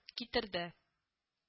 Китерде